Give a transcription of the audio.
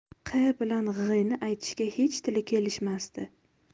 q bilan g'ni aytishga hech tili kelishmasdi